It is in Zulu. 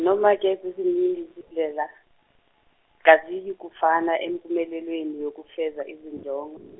noma ke ziziningi izindlela, kaziyufuna- kaziyikufana empumelelweni yokufeza izinjongo.